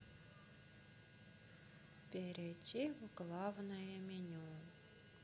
перейти в главное меню